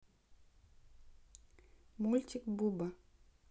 мультик буба